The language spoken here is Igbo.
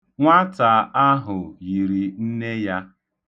Nwata ahụ yiri nne ya.